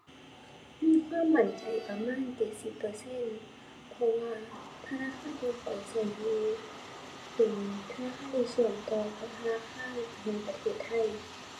มีความมั่นใจประมาณเจ็ดสิบเปอร์เซ็นต์ เพราะว่าธนาคารที่ข้อยใช้อยู่ เป็นธนาคารที่เชื่อมต่อกับธนาคารแห่งประเทศไทย